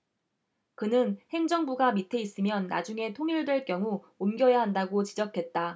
그는 행정부가 밑에 있으면 나중에 통일될 경우 옮겨야 한다고 지적했다